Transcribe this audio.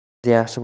o'g'il qiz yaxshi